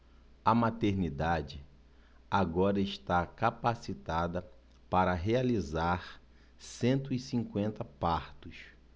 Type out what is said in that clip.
a maternidade agora está capacitada para realizar cento e cinquenta partos